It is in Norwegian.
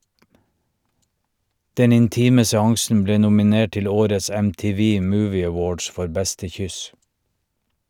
Den intime seansen ble nominert til årets MTV Movie Awards for beste kyss.